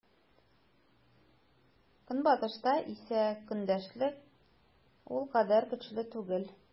Көнбатышта исә көндәшлек ул кадәр көчле түгел.